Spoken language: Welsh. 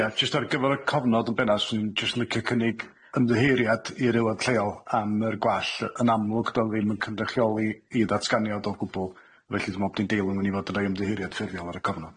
Ia jyst ar gyfer y cofnod yn bennaf 'swn i'n jyst licio cynnig ymddiheuriad i'r Aelod Lleol am yr gwall yy yn amlwg do'dd o ddim yn cyrychioli i ddatganiad o gwbwl, felly dwi me'wl bo' ni'n deilwng i fod'n roi ymddiheuriad ffurfiol ar y cofnod.